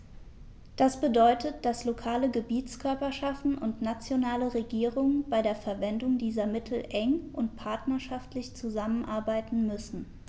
Das bedeutet, dass lokale Gebietskörperschaften und nationale Regierungen bei der Verwendung dieser Mittel eng und partnerschaftlich zusammenarbeiten müssen.